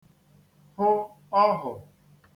hụ ọhụ̀